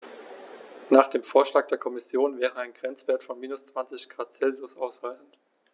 Nach dem Vorschlag der Kommission wäre ein Grenzwert von -20 ºC ausreichend.